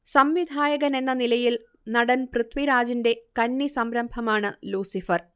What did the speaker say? സംവിധായകൻ എന്ന നിലയിൽ നടൻ പൃഥ്വിരാജിന്റെ കന്നി സംരംഭമാണ് ലൂസിഫർ